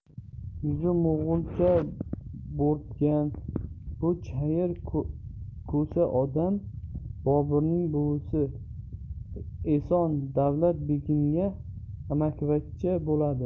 yuzi mo'g'ulcha bo'rtgan bu chayir ko'sa odam boburning buvisi eson davlat begimga amakivachcha bo'ladi